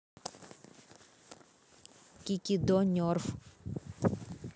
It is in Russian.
кикидо нерф